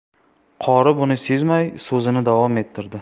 qori buni sezmay so'zini davom ettirdi